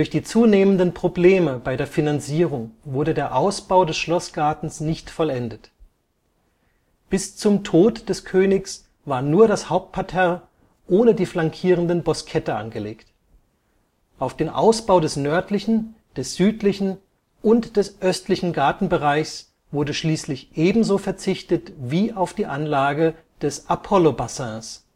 die zunehmenden Probleme bei der Finanzierung wurde der Ausbau des Schlossgartens nicht vollendet. Bis zum Tod des Königs war nur das Hauptparterre ohne die flankierenden Boskette angelegt. Auf den Ausbau des nördlichen, des südlichen und des östlichen Gartenbereichs wurde schließlich ebenso verzichtet wie auf die Anlage des Apollobassins